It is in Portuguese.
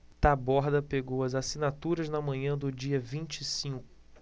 taborda pegou as assinaturas na manhã do dia vinte e cinco